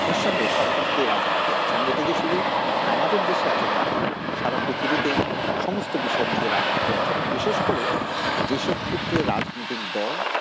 নিসন্দেহে সবকিছুতেই রাজনীতি আছে এবং এটা যে শুধু আমাদের দেশে আছে তা না সারা পৃথিবীতে সমস্ত বিষয়ের মধ্যে রাজনীতি আছে বিশেষ করে যে সব ক্ষেত্রে রাজনৈতিক দল